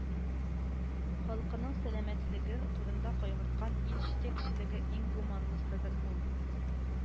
Халкының сәламәтлеге турында кайгырткан ил җитәкчелеге иң гуманлысыдыр ул